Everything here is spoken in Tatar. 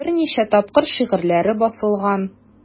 Берничә тапкыр шигырьләре басылган.